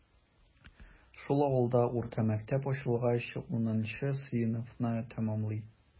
Шул авылда урта мәктәп ачылгач, унынчы сыйныфны тәмамлый.